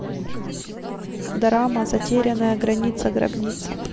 дорама затерянная граница гробница